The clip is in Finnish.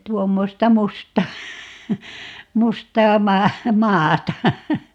tuommoista mustaa mustaa - maata